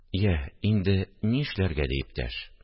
Я, инде нишләргә? - ди иптәш.